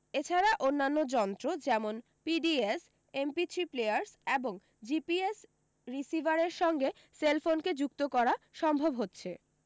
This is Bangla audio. এছাড়া অন্যান্য যন্ত্র যেমন পিডিএস এমপিথরি প্লেয়ার্স এবং জিপিএস রিসিভারের সঙ্গে সেলফোনকে যুক্ত করা সম্ভব হচ্ছে